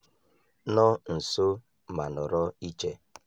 Nọ nso, ma nọrọ iche.